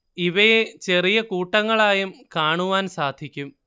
ഇവയെ ചെറിയ കൂട്ടങ്ങളായും കാണുവാൻ സാധിക്കും